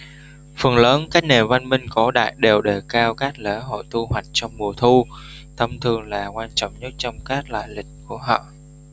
phần lớn các nền văn minh cổ đại đều đề cao các lễ hội thu hoạch trong mùa thu thông thường là quan trọng nhất trong các loại lịch của họ